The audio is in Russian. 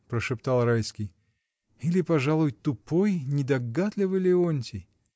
— прошептал Райский, — или, пожалуй, тупой, недогадливый Леонтий!